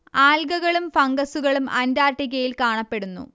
ആൽഗകളും ഫംഗസുകളും അന്റാർട്ടിക്കയിൽ കാണപ്പെടുന്നു